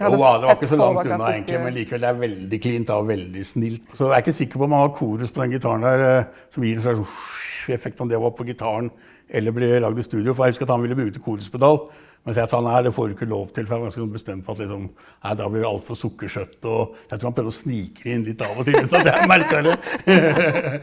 jo da, det var ikke så langt unna egentlig, men likevel det er veldig cleant da og veldig snilt, så jeg er ikke sikker på om han har Korus på den gitaren der som gir en slags effekt om det var på gitaren eller ble lagd i studio for jeg husker at han ville bruke Korus-pedal mens jeg sa nei det får du ikke lov til, for jeg var ganske sånn bestemt på at liksom nei da blir det altfor sukkersøtt og jeg tror han prøvde å snike det inn litt av og til uten at jeg merka det .